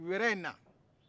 wɛrɛ in na